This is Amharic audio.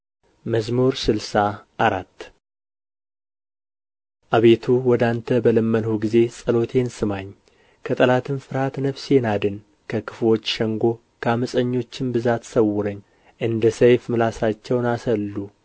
መዝሙር ስልሳ አራት አቤቱ ወደ አንተ በለመንሁ ጊዜ ጸሎቴን ስማኝ ከጠላትም ፍርሃት ነፍሴን አድን ከክፉዎች ሸንጎ ከዓመፀኞችም ብዛት ሰውረኝ እንደ ሰይፍ ምላሳቸውን አሰሉ